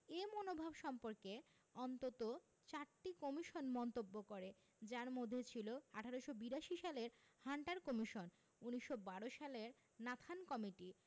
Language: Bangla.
এ মনোভাব সম্পর্কে অন্তত চারটি কমিশন মন্তব্য করে যার মধ্যে ছিল ১৮৮২ সালের হান্টার কমিশন ১৯১২ সালের নাথান কমিটি